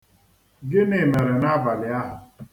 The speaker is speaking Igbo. Gịnị mere n'abalị ahụ?